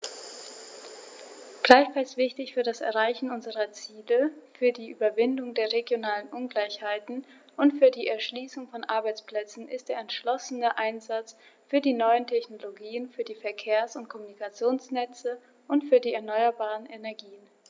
Gleichfalls wichtig für das Erreichen unserer Ziele, für die Überwindung der regionalen Ungleichheiten und für die Erschließung von Arbeitsplätzen ist der entschlossene Einsatz für die neuen Technologien, für die Verkehrs- und Kommunikationsnetze und für die erneuerbaren Energien.